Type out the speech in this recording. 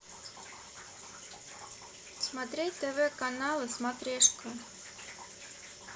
смотреть тв каналы смотрешка